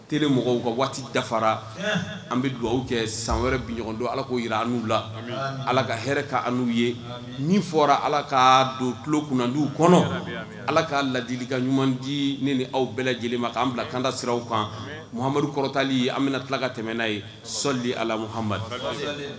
Teri mɔgɔw ka waati dafafara an bɛ dugawu kɛ san wɛrɛ bi ɲɔgɔn don ala k koo jira an n'u la ala ka hɛrɛɛ ka ani n'u ye min fɔra ala ka don tulolo kunnadi kɔnɔ ala ka ladili ka ɲuman ni ni aw bɛɛ lajɛlen ma k'an bila kanda sira aw kan mumadu kɔrɔtali an bɛna tila ka tɛmɛɛna'a ye sali ala mu